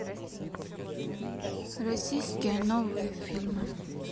российские новые фильмы